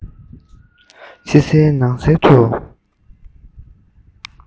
ཕྱི གསལ ནང གསལ དུ